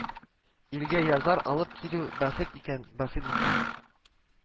Илгә язлар алып килү бәхет икән, бәхет икән